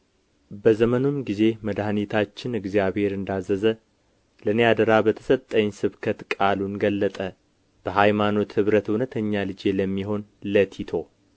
በዘመኑም ጊዜ መድኃኒታችን እግዚአብሔር እንዳዘዘ ለእኔ አደራ በተሰጠኝ ስብከት ቃሉን ገለጠ በሃይማኖት ኅብረት እውነተኛ ልጄ ለሚሆን ለቲቶ